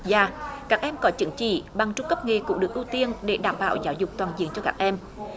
gia các em có chứng chỉ bằng trung cấp nghề cũng được ưu tiên để đảm bảo giáo dục toàn diện cho các em